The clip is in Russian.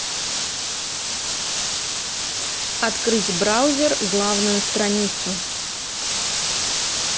открыть браузер главную страницу